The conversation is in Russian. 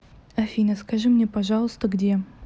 афина скажи мне пожалуйста где